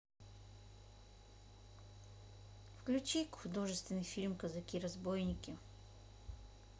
включи художественный фильм казаки разбойники